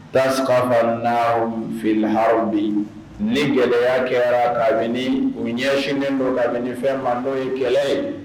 Tasumas ka n na fili ha bɛ ne gɛlɛyaya kɛra kabini u ɲɛsinen don kabini fɛnman n'o ye kɛlɛ ye